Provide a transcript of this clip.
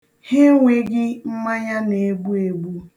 Ha enweghị mmanya na-egbu egbu.